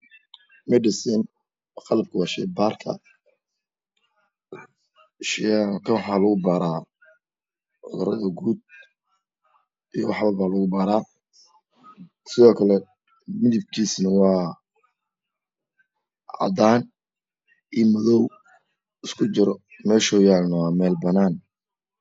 Madica shaybaar cudurada guud wax walbo midabkiisa cadaan madow meesh uu yaalana banaan